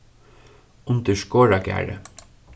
undir skoragarði